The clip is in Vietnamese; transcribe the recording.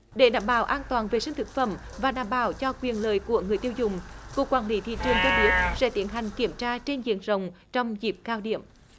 để đảm bảo an toàn vệ sinh thực phẩm và đảm bảo cho quyền lợi của người tiêu dùng cục quản lý thị trường cho biết sẽ tiến hành kiểm tra trên diện rộng trong dịp cao điểm